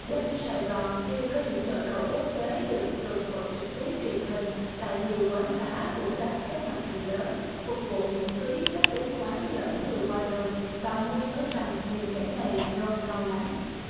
đêm sài gòn khi có những trận cầu quốc tế được tường thuật trực tiếp truyền hình tại nhiều quán xá cũng đặt các màn hình lớn phục vụ miễn phí khách đến quán lẫn người qua đường bà nguyên nói rằng nhìn cảnh này nôn nao lắm